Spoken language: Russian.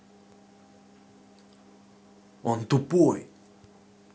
он тупой